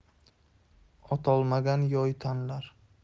otolmagan yoy tanlar